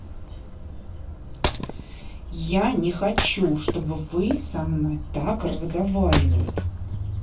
я не хочу чтобы вы со мной так разговаривают